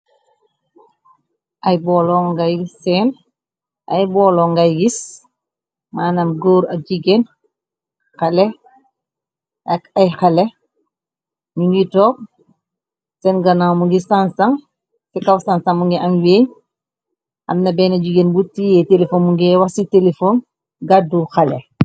Ay boolo ngay gis manam góor ak jigen. Ay xale ñi ngiy toog seen ganamu ngi sansan ci kaw sansam. Mu ngi am weeñ amna benn jigéen buti yee telefon. Mu ngi wax ci telefon gàddu xale.